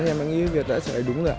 em nghĩ việt đã trả lời đúng rồi ạ